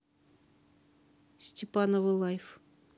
степановы лайф